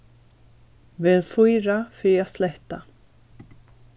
vel fýra fyri at sletta